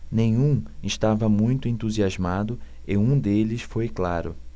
nenhum estava muito entusiasmado e um deles foi claro